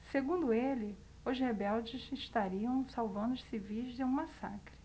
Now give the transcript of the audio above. segundo ele os rebeldes estariam salvando os civis de um massacre